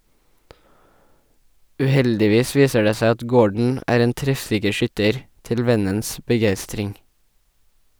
Uheldigvis viser det seg at Gordon er en treffsikker skytter, til vennens begeistring.